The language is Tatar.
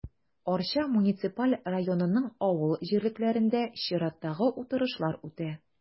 Арча муниципаль районының авыл җирлекләрендә чираттагы утырышлар үтә.